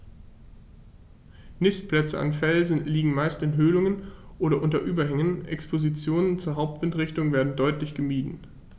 Nistplätze an Felsen liegen meist in Höhlungen oder unter Überhängen, Expositionen zur Hauptwindrichtung werden deutlich gemieden.